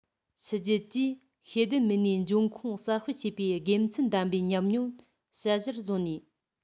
ཕྱི རྒྱལ གྱིས ཤེས ལྡན མི སྣའི འབྱུང ཁུངས གསར སྤེལ བྱེད པའི དགེ མཚན ལྡན པའི ཉམས མྱོང དཔྱད གཞིར བཟུང ནས